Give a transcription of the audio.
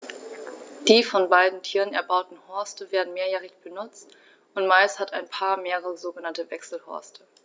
Die von beiden Tieren erbauten Horste werden mehrjährig benutzt, und meist hat ein Paar mehrere sogenannte Wechselhorste.